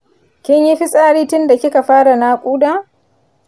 kin yi fitsari tinda kika fara naƙuda?